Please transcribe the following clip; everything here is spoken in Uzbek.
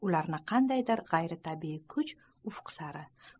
ularni qandaydir g'ayritabiiy kuch ufq sari